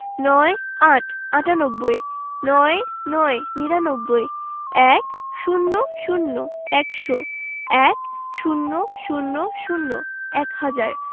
৯৮ আটানব্বই ৯৯ নিরানব্বই ১০০ একশো ১০০০ এক হাজার